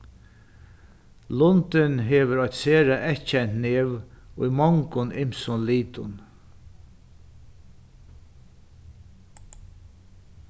lundin hevur eitt sera eyðkent nev í mongum ymsum litum